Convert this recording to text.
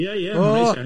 Ie ie.